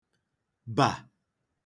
bà